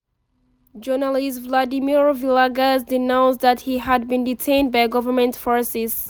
Journalist Vladimir Villegas denounced that he had been detained by government forces: